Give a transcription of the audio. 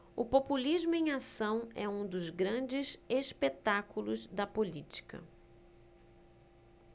o populismo em ação é um dos grandes espetáculos da política